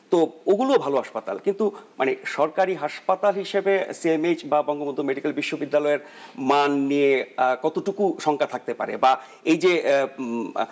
তো ওগুলো ভাল হাসপাতাল কিন্তু সরকারি হাসপাতাল হিসেবে সিএমএইচ বা বঙ্গবন্ধু মেডিকেল বিশ্ববিদ্যালয়ের মান নিয়ে কতটুকু শঙ্কা থাকতে পারে বা এই যে